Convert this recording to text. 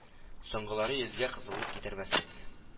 Соңгылары йөзгә кызыллык китермәслек